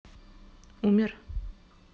умер